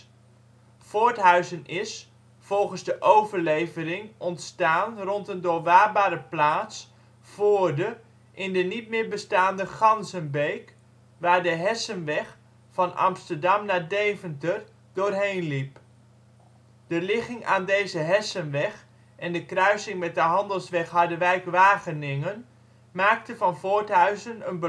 Voorthuizen is, volgens de overlevering ontstaan rond een doorwaadbare plaats (voorde) in de niet meer bestaande Ganzenbeek, waar de Hessenweg van Amsterdam naar Deventer door heen liep. De ligging aan deze Hessenweg en de kruising met de handelsweg Harderwijk-Wageningen, maakte van Voorthuizen